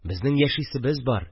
Безнең яшисебез бар